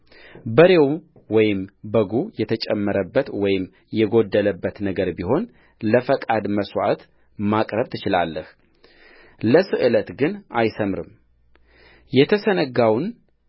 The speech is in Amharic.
በሬው ወይም በጉ የተጨመረበት ወይም የጐደለበት ነገር ቢሆን ለፈቃድ መሥዋዕት ማቅረብ ትችላለህ ለስእለት ግን አይሠምርምየተሰነጋውን